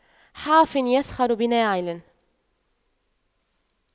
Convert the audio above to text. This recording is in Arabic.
حافٍ يسخر بناعل